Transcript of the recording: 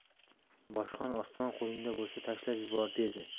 boshqon osmon qo'lingda bo'lsa tashlab yuboraver dedi